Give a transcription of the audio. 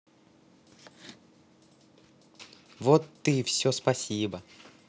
вот ты все спасибо